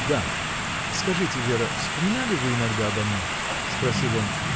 — Да. Скажите, Вера, вспоминали вы иногда обо мне? — спросил он.